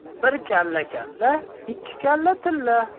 bir kalla kalla ikki kalla tilla